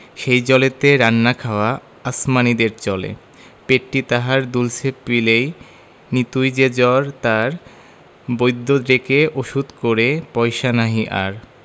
সেই জলেতে রান্না খাওয়া আসমানীদের চলে পেটটি তাহার দুলছে পিলেয় নিতুই যে জ্বর তার বৈদ্য ডেকে ওষুধ করে পয়সা নাহি আর